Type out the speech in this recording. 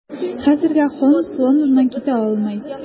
Хәзергә Холмс Лондоннан китә алмый.